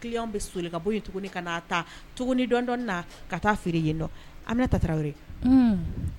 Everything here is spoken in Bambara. Clients bɛsi feere, ka bɔ yen tuguni ka na taa tuguni dɔɔn dɔɔn ninan ka taa feere yen nɔn, Aminata Traore, unhun